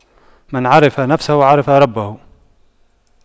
من عرف نفسه عرف ربه